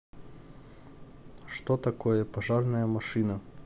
что такое пожарная машина